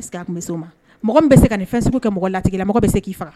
Est ce que a tun bɛ se o ma ,mɔgɔ min bɛ se ka nin fɛn sugu kɛ mɔgɔ la, a tigilamɔgɔ bɛ se k'i faga